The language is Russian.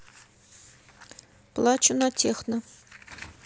плачу на техно